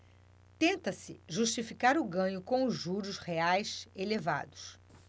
tenta-se justificar o ganho com os juros reais elevados